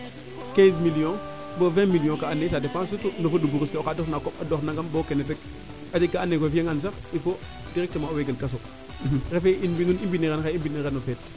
15 million bo 20 million kaa ando naye ca depend surtout no feux de brousse ke oxa dox na a koɓ a dox nangam bo kene rek a jega ka ando naye o fiya ngan sax il faut directement o wegel kaso refe in mbinum i mbini ran xaye i mbini ran o feet